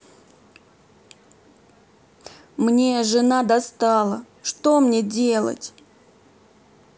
мне жена достала что мне делать